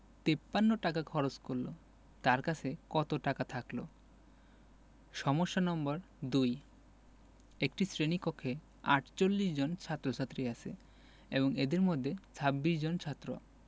৫৩ টাকা খরচ করল তার কাছে কত টাকা থাকল সমস্যা নম্বর ২ একটি শ্রেণি কক্ষে ৪৮ জন ছাত্ৰ-ছাত্ৰী আছে এবং এদের মধ্যে ২৬ জন ছাত্র